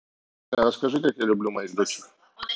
афина расскажи как я люблю моих дочек